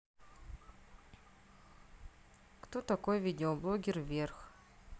кто такой видеоблогер вверх